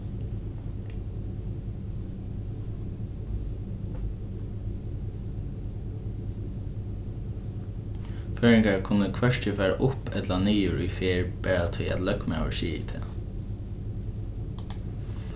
føroyingar kunnu hvørki fara upp ella niður í ferð bara tí at løgmaður sigur tað